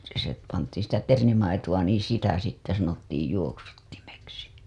se pantiin sitä ternimaitoa niin sitä sitten sanottiin juoksuttimeksi